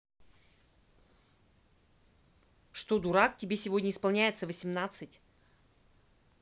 что дурак тебе сегодня исполняется восемнадцать